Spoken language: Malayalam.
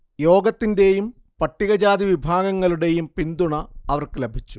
യോഗത്തിന്റെയും പട്ടികജാതി വിഭാഗങ്ങളുടെയും പിന്തുണ അവർക്ക് ലഭിച്ചു